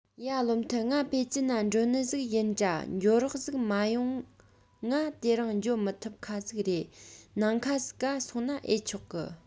ཡ བློ མཐུན ང པེ ཅིན ན འགྲོ ནི ཟིག ཡིན དྲ འགྱོ རོགས ཟིག མ ཡོང ང དེ རིང འགྱོ མི ཐུབ ཁ ཟིག རེད ནིང ཁ ཟིག ག སོང ན ཨེ ཆོག གི